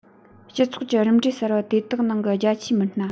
སྤྱི ཚོགས ཀྱི རིམ གྲས གསར པ དེ དག ནང གི རྒྱ ཆེའི མི སྣ